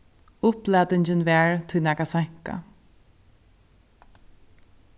upplatingin varð tí nakað seinkað